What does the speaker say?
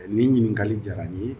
Ɛɛ Nin ɲininkali diyara n ye